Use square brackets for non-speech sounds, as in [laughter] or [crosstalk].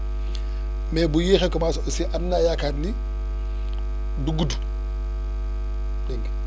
[breath] mais bu yéexee commencé aussi am naa yaakaar ni du gudddégg nga